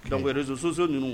Kure sososu ninnu